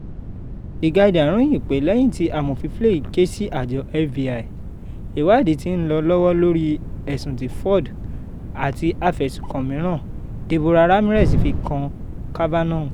The Guardian ròyìn pé lẹ́yìn tí amòfin Flake ké sí àjọ FBI, ìwádìí ti ń lọ lọ́wọ́ lórí ẹ̀sùn tí Ford and afẹ̀sùkan mìíràn Deborah Ramírez fi kan Kavanaugh.